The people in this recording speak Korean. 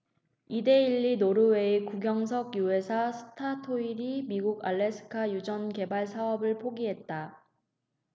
이데일리 노르웨이 국영석유회사 스타토일이 미국 알래스카 유전개발 사업을 포기했다